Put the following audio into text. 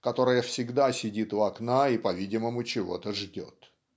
которая всегда сидит у окна и по-видимому чего-то ждет".